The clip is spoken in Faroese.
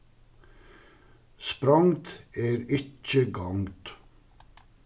sprongd er ikki gongd